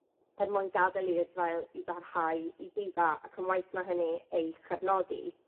er mwyn gad'el i Israel i barhau i ddifa, ac yn waeth na hynny, ei chefnogi.